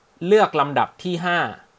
เลือกลำดับที่ห้า